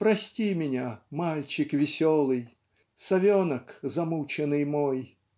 Прости меня, мальчик веселый, Совенок замученный мой!